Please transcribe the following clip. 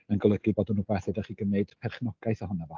yn golygu bod o'n rywbeth fedra chi gymryd perchnogaeth ohono fo.